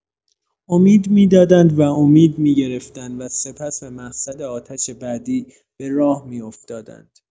امید می‌دادند و امید می‌گرفتند و سپس به مقصد آتش بعدی، به راه می‌افتادند.